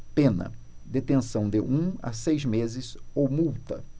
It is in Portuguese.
pena detenção de um a seis meses ou multa